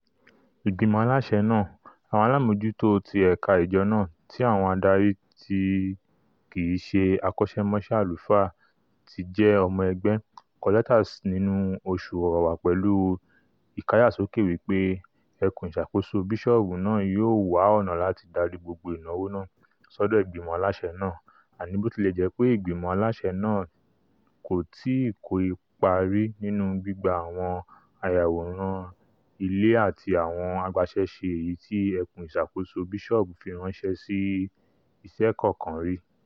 Ìgbìmọ̀ aláṣẹ naa - àwọn aláàmójútó ti ẹ̀ka ìjọ náà, tí àwọn adarí tí kìí ṣe akọ́ṣémọṣẹ́ àlùfáà ti jẹ́ ọmọ ẹgbẹ́ - kọ lẹ́tà nínú oṣù Ọ̀wàwà pẹ̀lú ìkáyàsókè wípé ẹkùn ìṣàkóso bisọọbu náà ''yóò wá ọ̀nà láti darí gbogbo ìnáwó náà'' s'ọdọ ìgbìmọ̀ aláṣẹ náà, àni botilẹjepe ìgbìmọ̀ aláṣẹ náà kò tíì kó ipa rí nínú gbígba àwọn ayaworan ilé àti àwọn agbaṣẹ́ṣe èyití ẹkùn ìṣàkóso bisọọbu fi ranṣẹ sí iṣẹ́ kankan rí.